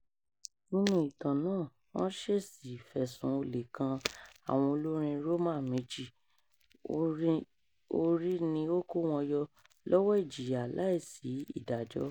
Nínú ìtàn náà, wọ́n ṣèṣì fẹ̀sùn olè kan àwọn olórin Roma méjì, orí ni ó kó wọn yọ lọ́wọ́ ìjìyà láìsí ìdájọ́.